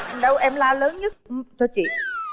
đâu em la lớn nhất cho chị